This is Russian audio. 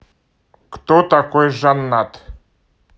кто такой жаннат